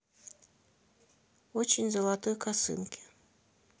очень золотой косынке